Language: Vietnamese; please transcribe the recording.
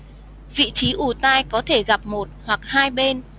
vị trí ù tai có thể gặp một hoặc hai bên